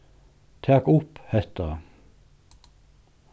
tak upp hetta